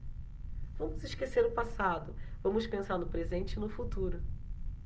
vamos esquecer o passado vamos pensar no presente e no futuro